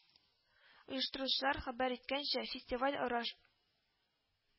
Оештыручылар хәбәр иткәнчә, фестиваль араш